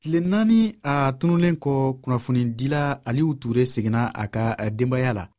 tile naani a tununnen kɔ kunnafonidila aliu ture seginna a ka denbaya la